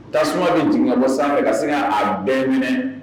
Tasumauman ni dun ka bɔ san ka se a bɛɛ minɛ